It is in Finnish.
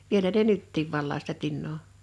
vielä ne nytkin valaa sitä tinaa